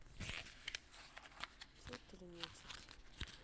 чет или нечет